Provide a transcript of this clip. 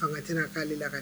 Fanga tɛna k'ale la ka